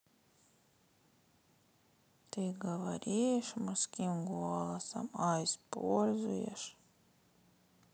ты говоришь мужским голосом а используешь